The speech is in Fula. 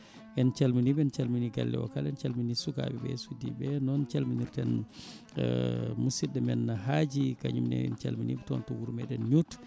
en calminiɓe en calmini galle o kala en calmini sukaɓeɓe e suddiɓeɓe noon calminirten musidɗo men Hadji kañumne en calminiɓe toon to wuuro meɗen Nioute